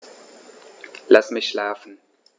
Lass mich schlafen